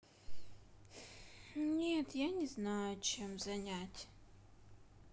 нет я не знаю чем занять